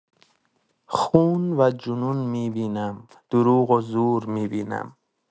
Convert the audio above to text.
خون و جنون می‌بینم، دروغ و زور می‌بینم.